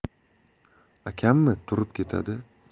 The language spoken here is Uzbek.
akammi turib ketadi